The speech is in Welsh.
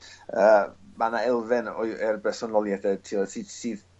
Yy ma' 'na elfen o'i yy bersonolieth e ti'od sy sydd